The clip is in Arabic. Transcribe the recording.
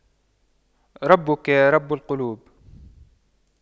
ربك رب قلوب